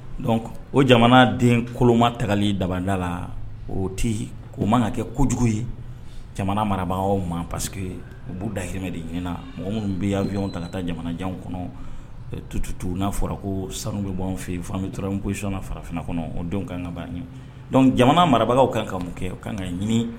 Dɔn o jamana den koloma tagali dabada la o tɛ' ma ka kɛ kojugu ye jamana marabaa ma paseke que u b'u damɛ de ɲinin mɔgɔ minnu bɛ yan ta taa jamanajan kɔnɔ tututu n'a fɔra ko sanu bɛ bɔanw fɛ yen fana bɛ tora kosina farafin kɔnɔ o ka kan ka jamana marabagaw ka ka mun kɛ ka kan ka ɲini